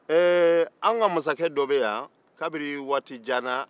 ɛɛ an ka masakɛ dɔ bɛ yan kabini waati jan na